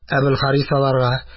Әбелхарис аларга